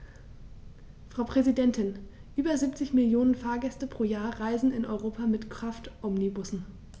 Frau Präsidentin, über 70 Millionen Fahrgäste pro Jahr reisen in Europa mit Kraftomnibussen.